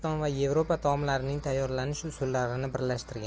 va yevropa taomlarining tayyorlanish usullarini birlashtirgan